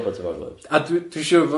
... A dwi dwi'n siŵr fo-.